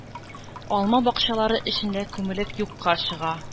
Алма бакчалары эчендә күмелеп юкка чыга.